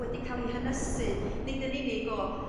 wedi ca'l ei hynysu nid yn unig o